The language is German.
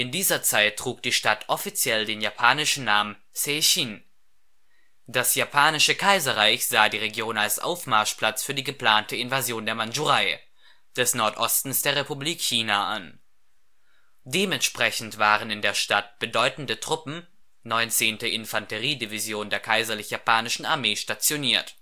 dieser Zeit trug die Stadt offiziell den japanischen Namen Seishin (jap. 淸津). Das Japanische Kaiserreich sah die Region als Aufmarschplatz für die geplante Invasion der Mandschurei, des Nordostens der Republik China an. Dementsprechend waren in der Stadt bedeutende Truppen (19. Infanteriedivision der Kaiserlich Japanischen Armee) stationiert